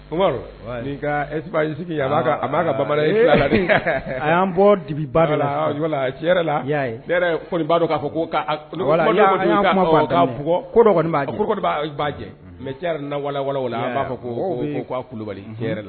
A b'a ka bama a y'an bɔ dibi la laa k'a ko jɛ mɛ an b'a fɔ ko k kulubali la